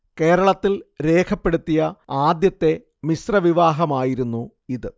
കേരളത്തിൽ രേഖപ്പെടുത്തിയ ആദ്യത്തെ മിശ്രവിവാഹമായിരുന്നു ഇത്